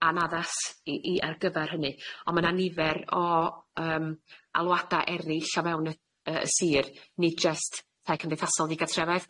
anaddas i i ar gyfar hynny on' ma' 'na nifer o yym alwada erill o mewn y yy y sir nid jyst tai cymdeithasol digatrefedd,